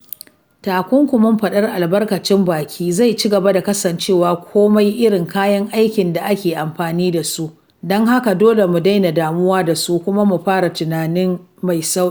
Takunkumin faɗar albarkacin baki zai ci gaba da kasancewa, komai irin kayan aikin da ake amfani da su, don haka dole mu daina damuwa da su kuma mu fara tunani mai tsayi.